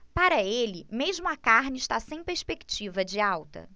para ele mesmo a carne está sem perspectiva de alta